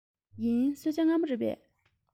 ཡིན གསོལ ཇ མངར མོ རེད པས